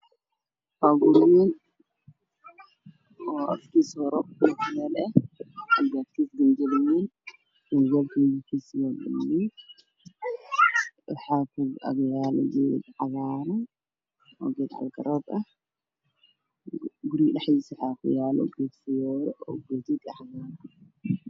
Wuxuu guri horyaalo gaarigalkiisu waa geed waxaana hortiisa ka baxay beer